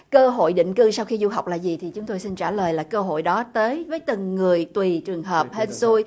cơ hội định cư sau khi du học là gì thì chúng tôi xin trả lời là cơ hội đó đến với từng người tùy trường hợp hên sui